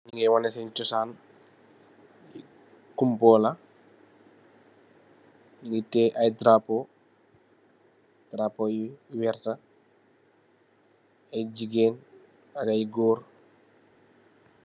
Ñi ñu ngee waneh sèèn cosaan, kumpo la ñu ngi teyeh ay darapóó, darapóó yi werta, ay jigeen ak ay gór.